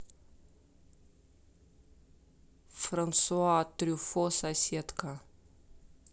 франсуа трюфо соседка